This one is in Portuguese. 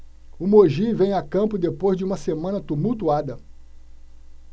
o mogi vem a campo depois de uma semana tumultuada